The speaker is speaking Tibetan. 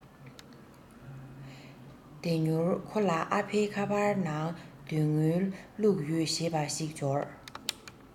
དེ མྱུར ཁོ ལ ཨ ཕའི ཁ པར ནང དོན དངུལ བླུག ཡོད ཞེས པ ཞིག འབྱོར